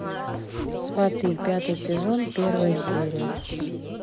сваты пятый сезон первая серия